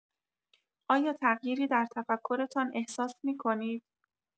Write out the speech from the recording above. آیا تغییری در تفکرتان احساس می‌کنید؟